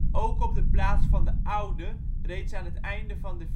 Ook op de plaats van de oude, reeds aan het einde van de